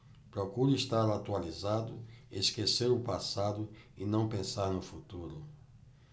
procuro estar atualizado esquecer o passado e não pensar no futuro